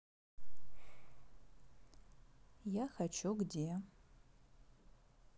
я хочу где